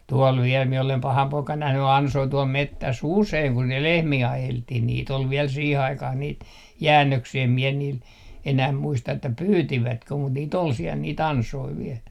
tuolla vielä minä olen pahana poikana nähnyt ansoja tuolla metsässä usein kun ne lehmiä ajeltiin niitä oli vielä siihen aikaan niitä jäännöksiä en minä niin enää muista että pyysivätkö mutta niitä oli siellä niitä ansoja vielä